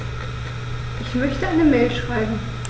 Ich möchte eine Mail schreiben.